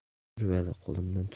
yur vali qo'limdan